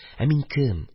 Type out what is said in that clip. Ә мин кем?